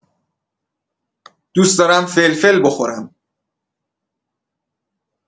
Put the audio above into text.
دوست دارم فلفل بخورم.